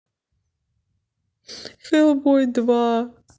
хэлбой два